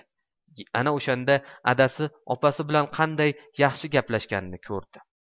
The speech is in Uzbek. ana o'shanda adasi opasi bilan qanday yaxshi gaplashganini ko'rdi